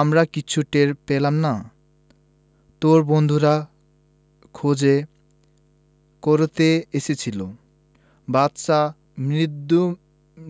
আমরা কিচ্ছু টের পেলাম না তোর বন্ধুরা খোঁজ করতে এসেছিলো বাদশা মৃদু